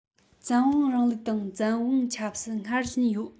བཙན དབང རིང ལུགས དང བཙན དབང ཆབ སྲིད སྔར བཞིན ཡོད